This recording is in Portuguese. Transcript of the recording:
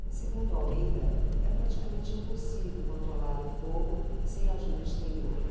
segundo almeida é praticamente impossível controlar o fogo sem ajuda exterior